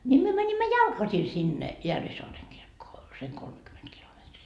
niin me menimme jalkaisin sinne Järvisaaren kirkkoon sen kolmekymmentä kilometriä